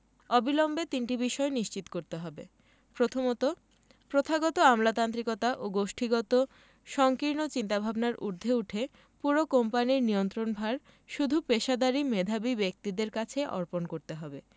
অবিলম্বে তিনটি বিষয় নিশ্চিত করতে হবে প্রথমত প্রথাগত আমলাতান্ত্রিকতা ও গোষ্ঠীগত সংকীর্ণ চিন্তাভাবনার ঊর্ধ্বে উঠে পুরো কোম্পানির নিয়ন্ত্রণভার শুধু পেশাদারি মেধাবী ব্যক্তিদের কাছেই অর্পণ করতে হবে